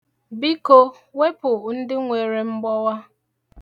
Biko, wepụ ndị nwere mgbọwa.